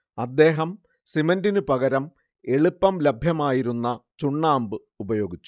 അദ്ദേഹം സിമന്റിനു പകരം എളുപ്പം ലഭ്യമായിരുന്ന ചുണ്ണാമ്പ് ഉപയോഗിച്ചു